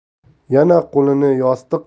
yana qo'lini yostiq